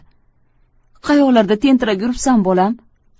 qayoqlarda tentirab yuribsan bolam